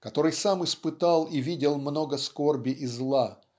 который сам испытал и видел много скорби и зла